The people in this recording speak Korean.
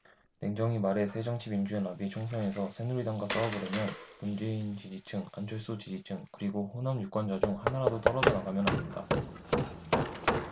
냉정히 말해 새정치민주연합이 총선에서 새누리당과 싸워보려면 문재인 지지층 안철수 지지층 그리고 호남 유권자 중 하나라도 떨어져 나가면 안 된다